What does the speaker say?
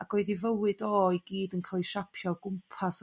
ac oedd 'i fywyd o i gyd yn ca'l 'i siapio gwmpas